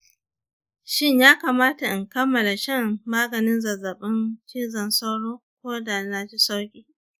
shin ya kamata in kammala shan maganin zazzaɓin cizon sauro ko da na ji sauƙi